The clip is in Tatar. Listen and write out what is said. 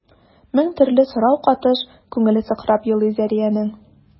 Мең төрле сорау катыш күңеле сыкрап елый Зәриянең.